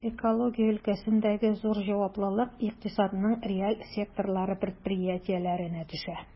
Экология өлкәсендәге зур җаваплылык икътисадның реаль секторлары предприятиеләренә төшә.